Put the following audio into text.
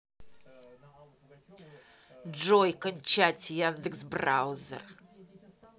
джой кончать яндекс браузер